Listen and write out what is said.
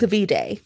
Davide.